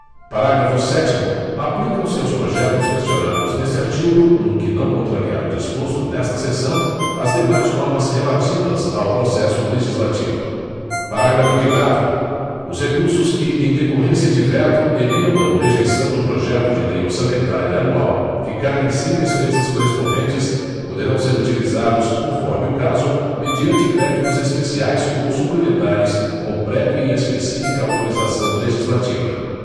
parágrafo sétimo aplicam se aos projetos mencionados neste artigo no que não contrariar o disposto nesta seção as demais normas relativas ao processo legislativo parágrafo oitavo os recursos que em decorrência de veto emenda ou rejeição do projeto de lei orçamentária anual ficarem sem despesas correspondentes poderão ser utilizados conforme o caso mediante créditos especiais ou suplementares com prévia e específica autorização legislativa